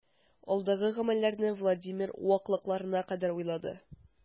Алдагы гамәлләрне Владимир ваклыкларына кадәр уйлады.